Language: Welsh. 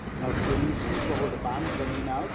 Nawr dwi'n mynd i... jyst mynd i gwahodd y band fyny nawr.